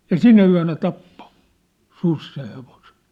ja sinä yönä tappoi susi sen hevosen